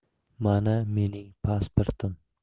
mana mening pasportim